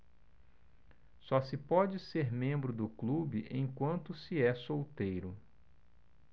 só se pode ser membro do clube enquanto se é solteiro